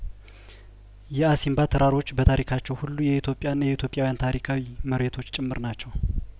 የአሲንባ ተራሮች በታሪካቸው ሁሉ የኢትዮጵያ ና የኢትዮጵያዊያን ታሪካዊ መሬቶች ጭምር ናቸው